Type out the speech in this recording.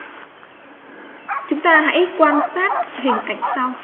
chúng ta hãy quan sát hình ảnh sau